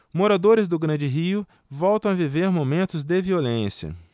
moradores do grande rio voltam a viver momentos de violência